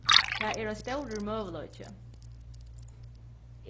tað er ein stórur møguleiki